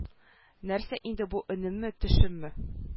Нәрсә инде бу өнемме төшемме